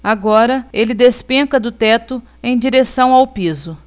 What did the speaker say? agora ele despenca do teto em direção ao piso